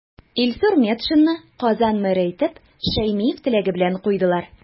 Илсур Метшинны Казан мэры итеп Шәймиев теләге белән куйдылар.